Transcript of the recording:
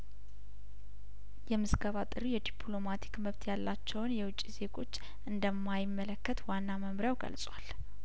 የምዝገባ ጥሪው የዲፕሎማቲክ መብት ያላቸውን የውጭ ዜጐች እንደማይመለከት ዋና መምሪያው ገልጿል